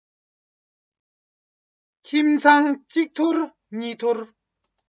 ཁྱིམ ཚང གཅིག འཐོར གཉིས འཐོར